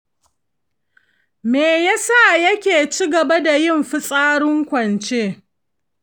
me yasa yake ci gaba da yin fitsarin kwance